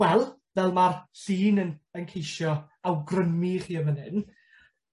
Wel, fel ma'r llun yn yn ceisio awgrymu i chi yn fan hyn